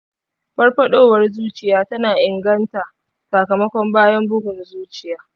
farfadowar zuciya tana inganta sakamako bayan bugun zuciya.